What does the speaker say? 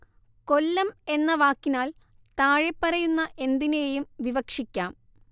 കൊല്ലം എന്ന വാക്കിനാൽ താഴെപ്പറയുന്ന എന്തിനേയും വിവക്ഷിക്കാം